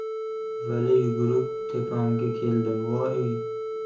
vali yugurib tepamga keldi voy y y